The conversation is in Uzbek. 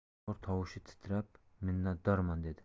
bobur tovushi titrab minnatdormen dedi